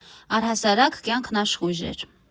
Առհասարակ կյանքն աշխույժ էր։